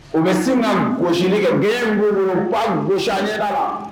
U bɛ se ka gosi kɛ gɛn ŋunu' boc ɲɛ la